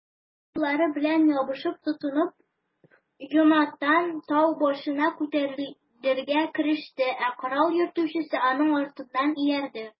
Аяк-куллары белән ябышып-тотынып, Йонатан тау башына күтәрелергә кереште, ә корал йөртүчесе аның артыннан иярде.